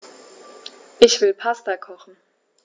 Ich will Pasta kochen.